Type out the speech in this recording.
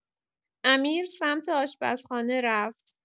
امیر سمت آشپزخانه رفت.